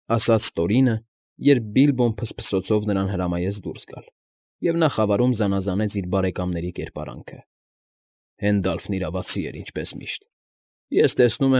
Ասաց Տորինը, երբ Բիլբոն փսփսոցով նրան հրամայեց դուրս գալ, և նա խավարում զանազանեց իր բարեկամների կերպրանքները,֊ Հենդալֆն իրավացի էր, ինչպես միշտ։